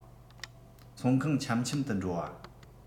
ཚོང ཁང འཆམ འཆམ དུ འགྲོ བ